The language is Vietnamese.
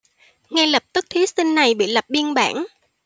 ngay lập tức thí sinh này bị lập biên bản